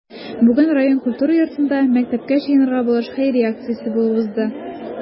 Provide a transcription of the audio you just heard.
Бүген район культура йортында “Мәктәпкә җыенырга булыш” хәйрия акциясе булып узды.